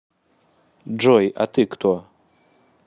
джой а ты кто